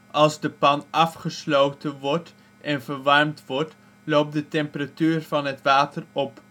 Als de pan afgesloten wordt en verwarmd wordt, loopt de temperatuur van het water op